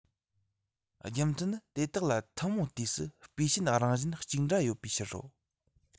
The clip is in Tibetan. རྒྱུ མཚན ནི དེ དག ལ ཐུན མོང དུ སྤུས ཞན རང བཞིན གཅིག འདྲ ཡོད པའི ཕྱིར རོ